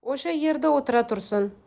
o'sha yerda o'tira tursin